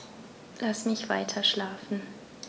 Lass mich weiterschlafen.